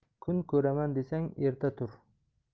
kun ko'raman desang erta tur